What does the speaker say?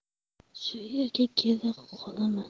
shu yerga kela qolaman